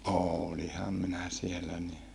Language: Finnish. olinhan minä siellä niin